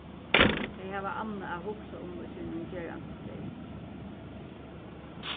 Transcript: tey hava annað at hugsa um í sínum gerandisdegi